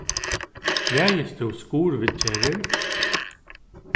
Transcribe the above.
ræðist tú skurðviðgerðir